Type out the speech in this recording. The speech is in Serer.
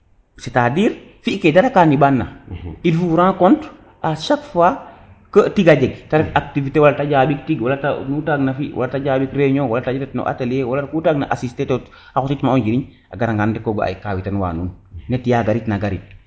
c' est dire fi ke dara ka ndeɓan na il vous rencontre a chaque que tiga jeg activité wala tev jaɓik tig wala te nu te waag na fi wala te jambik reunion wala te ret no atelier wala ku te waag na assister to a xotit ma o njiriñ a gara nga de ka fiya nen ka wetan wa nuun ne tiga garit na garit